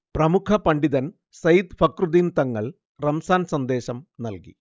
പ്രമുഖ പണ്ഡിതൻ സയ്യിദ് ഫഖ്റുദ്ദീൻ തങ്ങൾ റംസാൻ സന്ദേശം നൽകി